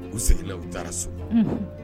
U seg seginna u taara so